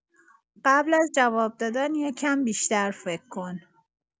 قبل از جواب دادن یه کم بیشتر فکر کن